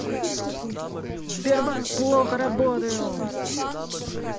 сбербанк плохо работаю